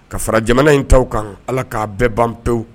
Ka fara jamana in ta kan ala k'a bɛɛ ban pewu